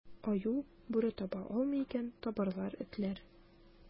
Аю, бүре таба алмый икән, табарлар этләр.